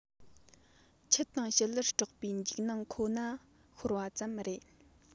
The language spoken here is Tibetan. ཁྱི དང བྱི ལར སྐྲག པའི འཇིགས སྣང ཁོ ན ཤོར བ ཙམ རེད